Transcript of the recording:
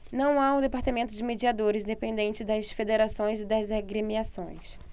não há um departamento de mediadores independente das federações e das agremiações